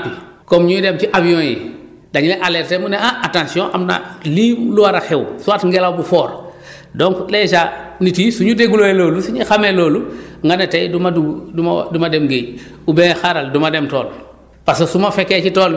comme ñu ñuy dem nappi comme ñuy dem ci avion yi dañuy alerter mu ne ah attention am na lii lu war a xew soit ngelaw bu fort donc dèjà nit yi su ñu dégluwee loolu su ñu xamee loolu ma ne tey du ma dugg du ma wax du ma dem géej oubien xaaral du ma dem tool